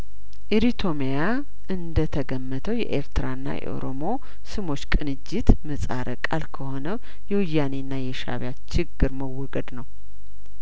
ኢሪቶሚያ እንደ ተገመተው የኤርትራና የኦሮሞ ስሞች ቅንጅት ምህጻረ ቃል ከሆነ የወያኔና የሻእቢያ ችግር መወገድ ነው